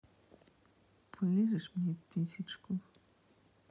полижешь мне писечку